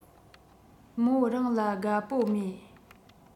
མོ རང ལ དགའ པོ མེད